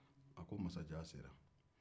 a ko masajan sela